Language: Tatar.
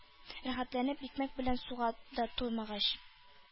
Рәхәтләнеп икмәк белән суга да туймагач,